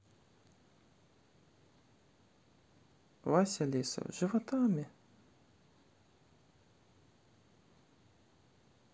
вася лесов животами